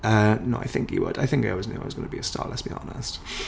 Yy no, I think he would, I think I always knew I was going to be a star, let's be honest.